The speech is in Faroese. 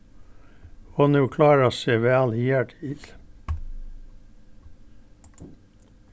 hon hevur klárað seg væl higartil